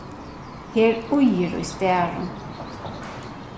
her ýðir í starum